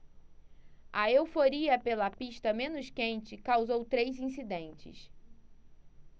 a euforia pela pista menos quente causou três incidentes